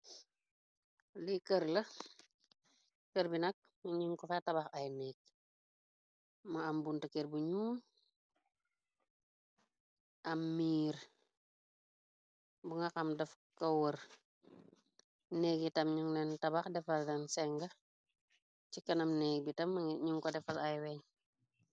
Li kër la kerr bi nakk ma nun ko fay tabax ay nék moo am buntu kër bu ñuul am miir bu nga xam dafa ko wër nék yitam ñung leen tabax defal dan senga ci kanam nék bitam ñing ko defal ay weñ.